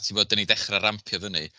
tibod dan ni'n dechrau rampio fyny.